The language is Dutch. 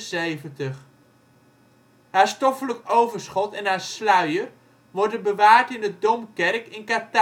1674. Haar stoffelijk overschot en haar sluier worden bewaard in de Domkerk in Catania